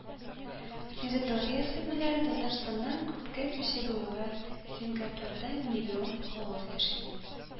Территориясе белән Татарстаннан күпкә кече булган Сингапурда миллион халык яши